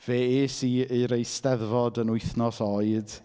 Fe es i'r Eisteddfod yn wythnos oed.